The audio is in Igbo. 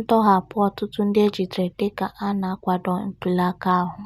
ntọhapụ ọtụtụ ndị e jidere dịka a na-akwado ntuliaka ahụ.